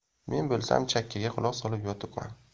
men bo'lsam chakkaga quloq solib yotibman